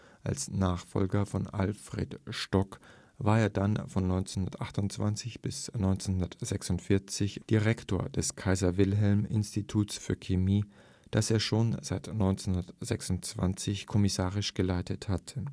Als Nachfolger von Alfred Stock war er dann von 1928 bis 1946 Direktor des Kaiser-Wilhelm-Instituts für Chemie, das er schon seit 1926 kommissarisch geleitet hatte